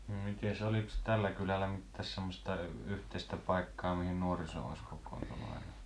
no mitenkäs oliko tällä kylällä mitään semmoista yhteistä paikkaa mihin nuoriso olisi kokoontunut aina